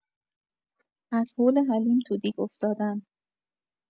از هول حلیم تو دیگ افتادن